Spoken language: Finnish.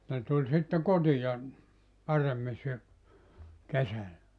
ne tuli sitten kotiin paremmin - kesällä